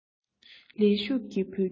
ལས ཞུགས ཀྱི བོད སྐྱོར